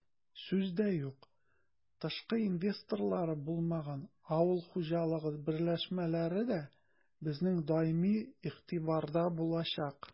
Сүз дә юк, тышкы инвесторлары булмаган авыл хуҗалыгы берләшмәләре дә безнең даими игътибарда булачак.